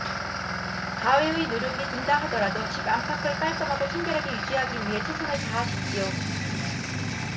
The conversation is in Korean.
가외의 노력이 든다 하더라도 집 안팎을 깔끔하고 청결하게 유지하기 위해 최선을 다하십시오